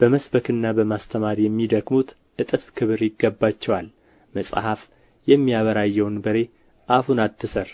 በመስበክና በማስተማር የሚደክሙት እጥፍ ክብር ይገባቸዋል መጽሐፍ የሚያበራየውን በሬ አፉን አትሰር